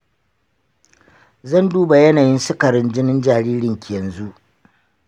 zan duba yanayin sikarin jinin jaririnki yanzu